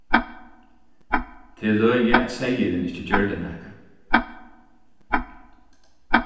tað er løgið at seyðurin ikki gjørdi nakað